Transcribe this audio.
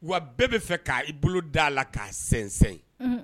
Wa bɛɛ bɛ fɛ ka i bolo d'a la k'a sɛnsɛn